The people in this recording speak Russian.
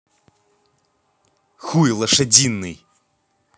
хуй лошадиный